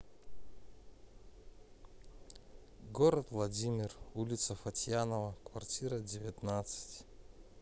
город владимир улица фатьянова квартира девятнадцать